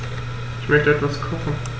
Ich möchte etwas kochen.